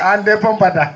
ande pompata